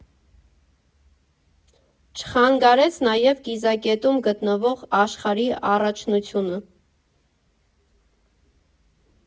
Չխանգարեց նաև կիզակետում գտնվող Աշխարհի առաջնությունը։